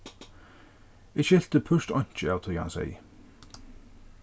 eg skilti púrt einki av tí hann segði